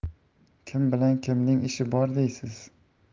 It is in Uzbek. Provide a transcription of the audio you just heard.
kim bilan kimning ishi bor deysiz